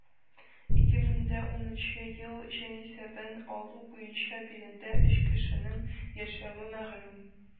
2010 ел җанисәбен алу буенча биредә 3 кешенең яшәве мәгълүм